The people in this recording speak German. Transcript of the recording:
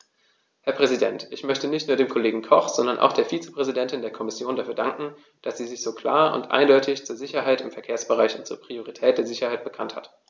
Herr Präsident, ich möchte nicht nur dem Kollegen Koch, sondern auch der Vizepräsidentin der Kommission dafür danken, dass sie sich so klar und eindeutig zur Sicherheit im Verkehrsbereich und zur Priorität der Sicherheit bekannt hat.